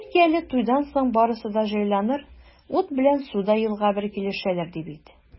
Бәлки әле туйдан соң барысы да җайланыр, ут белән су да елга бер килешәләр, ди бит.